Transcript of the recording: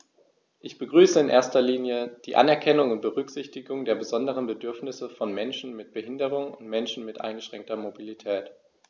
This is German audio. Ich begrüße in erster Linie die Anerkennung und Berücksichtigung der besonderen Bedürfnisse von Menschen mit Behinderung und Menschen mit eingeschränkter Mobilität.